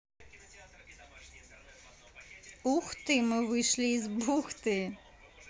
ух ты мы вышли из бухты